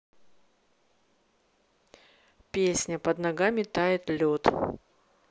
песня под ногами тает лед